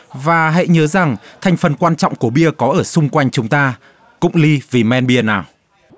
và hãy nhớ rằng thành phần quan trọng của bia có ở xung quanh chúng ta cụng ly vì men bia nào